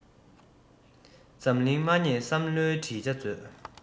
འཛམ གླིང མ བསྙེལ བསམ བློའི བྲིས བྱ མཛོད